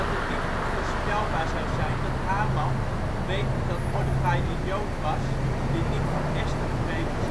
het niet goed voorstelbaar zou zijn dat Haman wetend dat Mordechai een Jood was dit niet van Esther geweten